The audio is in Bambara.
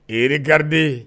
Eh ! regarder